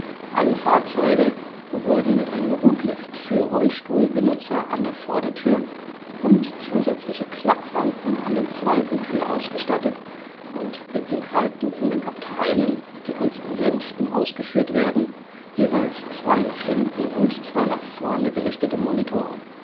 Alle Fahrzeuge wurden mit einem Hublift für Rollstuhlbenutzer an der Vordertür und zusätzliche Klapprampen an der zweiten Tür ausgestattet und beinhalten in den Abteilen, die als Sänften ausgeführt werden, jeweils zwei nach hinten und zwei nach vorne gerichtete Monitore